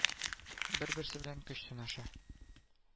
Бер-берсе белән көч сынаша